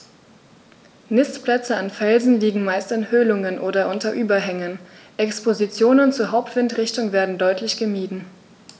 Nistplätze an Felsen liegen meist in Höhlungen oder unter Überhängen, Expositionen zur Hauptwindrichtung werden deutlich gemieden.